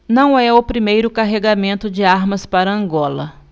não é o primeiro carregamento de armas para angola